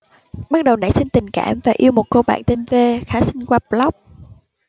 bắt đầu nảy sinh tình cảm và yêu một cô bạn tên v khá xinh qua blog